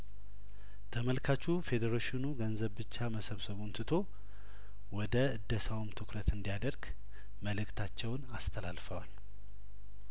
ተመልካቹ ፌዴሬሽኑ ገንዘብ ብቻ መሰብሰቡን ትቶ ወደ እደሳውም ትኩረት እንዲያደርግ መልእክታቸውን አስተላልፈዋል